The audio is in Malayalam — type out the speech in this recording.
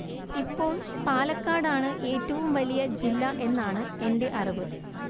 ഇപ്പോൾ പാലക്കാട് ആണ് ഏറ്റവും വലിയ ജില്ല എന്നാണ് എന്റെ അറിവ്